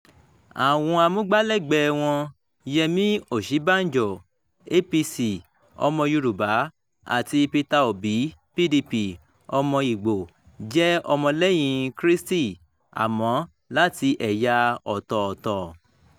Àwọn amúgbálẹ́gbẹ̀ẹ́ wọn – Yẹmí Ọṣìńbàjò (APC), ọmọ Yoruba, àti Peter Obi (PDP), ọmọ Igbo, jẹ́ Ọmọ-lẹ́yìn-in-krístì — àmọ́ láti ẹ̀yà ọ̀tọ̀ọ̀tọ̀.